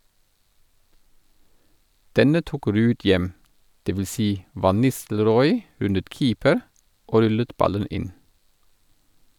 Denne tok Ruud hjem, dvs. van Nistelrooy rundet keeper og rullet ballen inn.